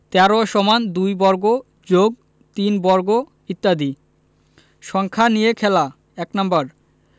১৩ = ২ বর্গ + ৩ বর্গ ইত্যাদি সংখ্যা নিয়ে খেলা ১ নাম্বার